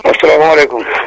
asalaamaaleykum